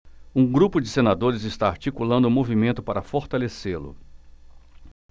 um grupo de senadores está articulando um movimento para fortalecê-lo